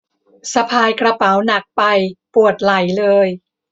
สะพายกระเป๋าหนักไปปวดไหล่เลย